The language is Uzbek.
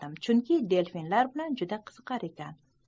chunki del'finlar bilan juda qiziqar ekan